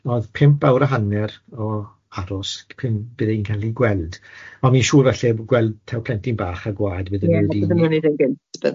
o'dd pump awr a hanner o aros cyn bydde hi'n ca'l ei gweld, ond fi'n siŵr falle bod gweld taw plentyn bach a gwad bydden n'w 'di... Ie bydde hynne'n neud e'n gynt bydde...